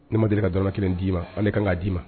Ne ma deli ka dɔn kelen d'i ma ale k kan k' d di' ma